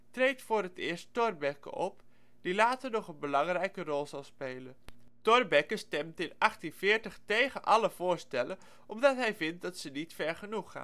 treedt voor het eerst Thorbecke op, die later nog een belangrijke rol zal spelen. Thorbecke stemt in 1840 tegen alle voorstellen omdat hij vindt dat ze niet ver genoeg